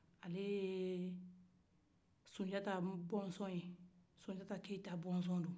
ale ye sunjata bɔnsɔn ye sunjata keita bɔnsɔn ye